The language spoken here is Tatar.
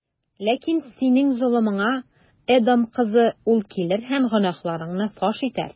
Ләкин синең золымыңа, Эдом кызы, ул килер һәм гөнаһларыңны фаш итәр.